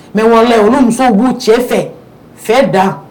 Mais walahi olu musow b'u cɛ fɛ fɛ dan